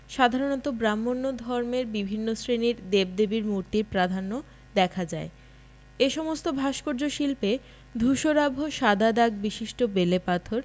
সাধারণত ব্রাক্ষ্মণ্য ধর্মের বিভিন্ন শ্রেণির দেব দেবীর মূর্তির প্রাধান্য দেখা যায় এ সমস্ত ভাস্কর্য শিল্পে ধূসরাভ সাদা দাগ বিশিষ্ট বেলে পাথর